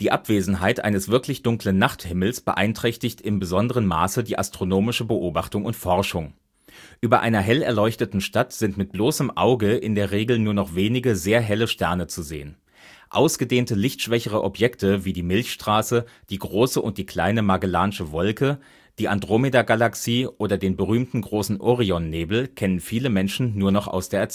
Abwesenheit eines wirklich dunklen Nachthimmels beeinträchtigt im besonderen Maße die astronomische Beobachtung und Forschung. Über einer hell erleuchteten Stadt sind mit bloßem Auge in der Regel nur noch wenige sehr helle Sterne zu sehen. Ausgedehnte lichtschwächere Objekte wie die Milchstraße, die Große und die Kleine Magellansche Wolke, die Andromedagalaxie oder den berühmten Großen Orionnebel kennen viele Menschen nur noch aus der